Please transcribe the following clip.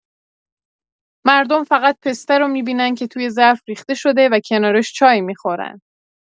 مردم فقط پسته رو می‌بینن که توی ظرف ریخته شده و کنارش چای می‌خورن.